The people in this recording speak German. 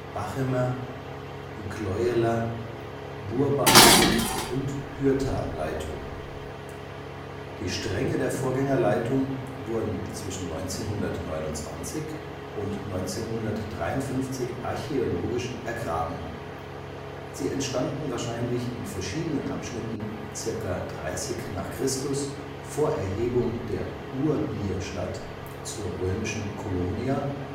Bachemer -(?), Gleueler -, Burbacher - und Hürther Leitung. Die Stränge der Vorgängerleitung wurden zwischen 1929 und 1953 archäologisch ergraben. Sie entstanden wahrscheinlich in verschiedenen Abschnitten circa 30 n. Chr. vor Erhebung der Ubierstadt zur römischen Colonia